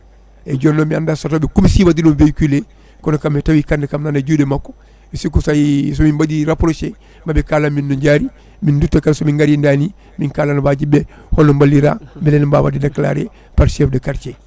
eyyi joni noon mi anda so taw ɓe comisi wadde ɗo véhiculé kono kam mi tawi carnet kam nana e juuɗe makko mi sikku so tawi somin mbaɗi rapproché maaɓe kalanmin nojaari min dutto kadi somin gaari dani min kalana wajiɓe holno ballira beele ne mbawa wadde déclaré par chef de quatier